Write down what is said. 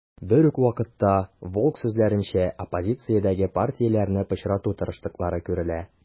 Берүк вакытта, Волк сүзләренчә, оппозициядәге партияләрне пычрату тырышлыклары күрелә.